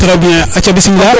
trés bien aca bismila